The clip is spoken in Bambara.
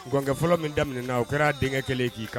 Gɔnkɛ fɔlɔ min daminɛ na o kɛra ale denkɛ kɛlen k'i kan